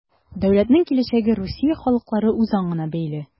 Дәүләтнең киләчәге Русия халыклары үзаңына бәйле.